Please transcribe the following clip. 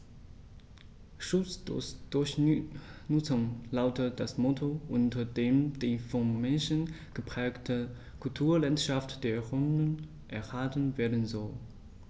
„Schutz durch Nutzung“ lautet das Motto, unter dem die vom Menschen geprägte Kulturlandschaft der Rhön erhalten werden soll.